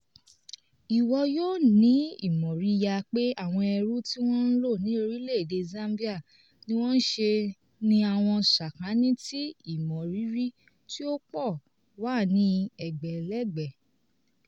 Ìwọ yóò ní ìmòrìyá pé àwọn ẹrù tí wọ́n lò ní orílẹ̀ èdè Zambia ni wọ́n ṣe ní àwọn sàkání tí ìmọrírì, tí ó pọ̀, wà ní ẹgbẹ̀lẹ́gbẹ̀.